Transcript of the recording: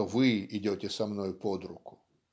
что Вы идете со мною под руку".